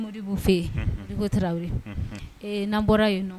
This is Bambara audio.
Na bɔra yen